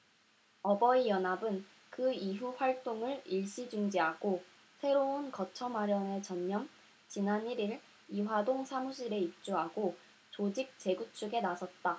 어버이연합은 그 이후 활동을 일시 중지하고 새로운 거처 마련에 전념 지난 일 일 이화동 사무실에 입주하고 조직 재구축에 나섰다